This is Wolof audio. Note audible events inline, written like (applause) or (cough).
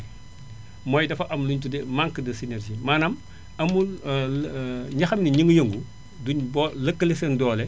mooy dafa am lu ñu tuddee manque de synergie maanaam amul (hesitation) ñi xam ne ñi ngi yëngu duñu boo lëkkale seen doole